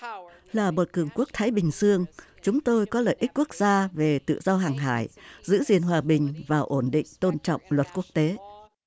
là một cường quốc thái bình dương chúng tôi có lợi ích quốc gia về tự do hàng hải giữ gìn hòa bình và ổn định tôn trọng luật quốc tế